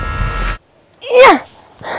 y da